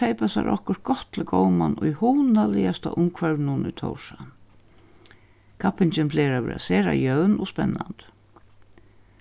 keypa sær okkurt gott til góman í hugnaligasta umhvørvinum í tórshavn kappingin plagar at vera sera jøvn og spennandi